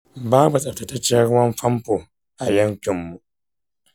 babu tsaftataccen ruwan famfo a yankinmu.